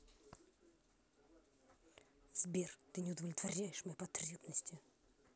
сбер ты не удовлетворяешь мои потребности